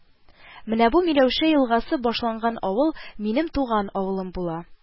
Менә бу Миләүшә елгасы башланган авыл минем туган авылым була